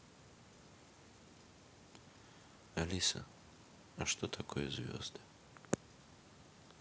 алиса а что такое звезды